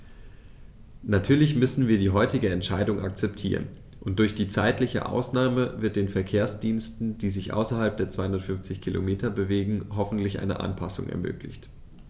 Natürlich müssen wir die heutige Entscheidung akzeptieren, und durch die zeitliche Ausnahme wird den Verkehrsdiensten, die sich außerhalb der 250 Kilometer bewegen, hoffentlich eine Anpassung ermöglicht.